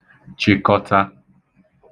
chịkọta